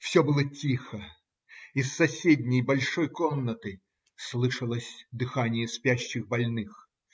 Все было тихо; из соседней большой комнаты слышалось дыхание спящих больных.